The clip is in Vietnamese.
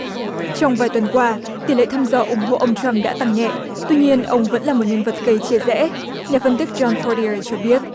trong vài tuần qua tỷ lệ tham gia ủng hộ ông trăm đã tăng nhẹ tuy nhiên ông vẫn là một nhân vật gây chia rẽ nhà phân tích dăm pho ri ờ cho biết